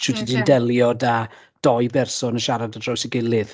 Shwt wyt ti'n delio 'da dou berson yn siarad ar draws ei gilydd?